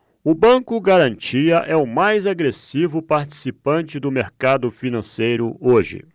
o banco garantia é o mais agressivo participante do mercado financeiro hoje